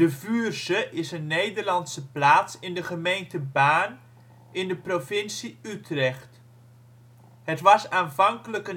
Vuursche is een Nederlandse plaats in de gemeente Baarn de provincie Utrecht. Het was aanvankelijk